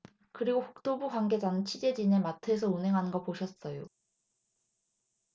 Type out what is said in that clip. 그리고 국토부 관계자는 취재진에 마트에서 운행하는 거 보셨어요